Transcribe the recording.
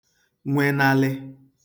nwenalị